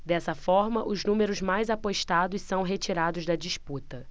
dessa forma os números mais apostados são retirados da disputa